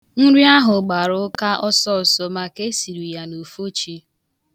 Nri ahụ gbara ụka ọsọọsọ maka e siri ya n' ufochi.